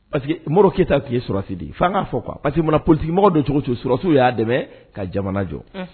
Parceriseke keyita k'i yesi di fo n'a fɔ pari que pmɔgɔ don cogo susiw y'a dɛmɛ ka jamana jɔ